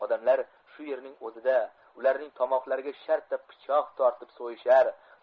odamlar shu yeming o'zida ularning tomoqlariga shartta pichoq tortib so'yishar